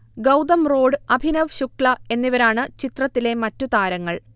ഗൗതം റോഢ്, അഭിനവ് ശുക്ല എന്നിവരാണ് ചിത്രത്തിലെ മറ്റു താരങ്ങൾ